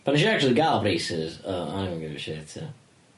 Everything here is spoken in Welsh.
Pan nes i actually ga'l braces, oh I don't give a shit ia.